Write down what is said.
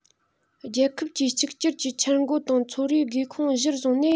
རྒྱལ ཁབ ཀྱིས གཅིག གྱུར གྱི འཆར འགོད དང ཚོང རའི དགོས མཁོ གཞིར བཟུང ནས